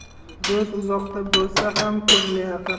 do'st uzoqda bo'lsa ham ko'ngli yaqin